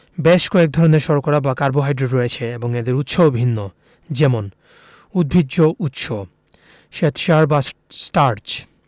বেশ কয়েক ধরনের শর্করা বা কার্বোহাইড্রেট রয়েছে এবং এদের উৎস ও ভিন্ন যেমন উদ্ভিজ্জ উৎস শ্বেতসার বা স্টার্চ